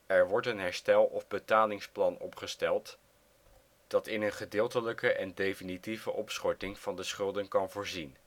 Er wordt een herstel - of betalingsplan opgesteld, dat in een gedeeltelijke en definitieve opschorting van de schulden kan voorzien